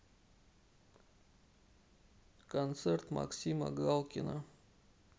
концерт максима галкина